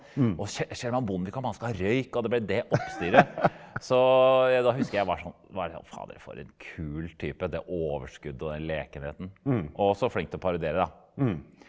og Kjell-Magne Bondevik om han skal ha røyk og det ble det oppstyret, så da husker jeg jeg var sånn fader for en kul type det overskuddet og den lekenheten og så flink til å parodiere da.